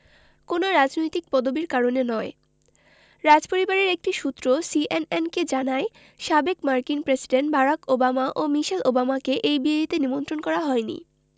কোনো রাজনৈতিক পদবির কারণে নয় রাজপরিবারের একটি সূত্র সিএনএনকে জানায় সাবেক মার্কিন প্রেসিডেন্ট বারাক ওবামা ও মিশেল ওবামাকে এই বিয়েতে নিমন্ত্রণ করা হয়নি